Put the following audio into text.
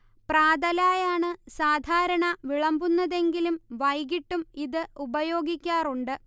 പ്രാതലായാണ് സാധാരണ വിളമ്പുന്നതെങ്കിലും വൈകീട്ടും ഇത് ഉപയോഗിക്കാറുണ്ട്